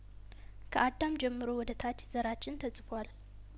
ከአዳም ጀምሮ ወደ ታች ዘራችን ተጽፏል